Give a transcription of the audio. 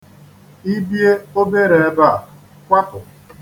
I bie obere ebe a, kwapụ!